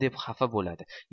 deb xafa bo'ladi